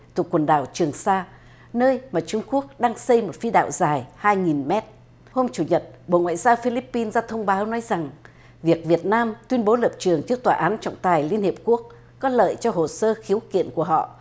thuộc quần đảo trường sa nơi mà trung quốc đang xây một phi đạo dài hai nghìn mét hôm chủ nhật bộ ngoại giao phi líp pin ra thông báo nói rằng việc việt nam tuyên bố lập trường trước tòa án trọng tài liên hiệp quốc có lợi cho hồ sơ khiếu kiện của họ